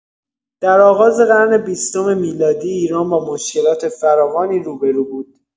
در آغاز قرن بیستم میلادی ایران با مشکلات فراوانی روبه‌رو بود.